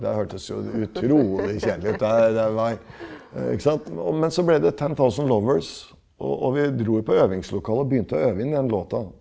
det hørtes jo utrolig kjedelig ut, det det var ikke sant men så ble det Ten Thousand Lovers og og vi dro jo på øvingslokalet og begynte å øve inn den låta.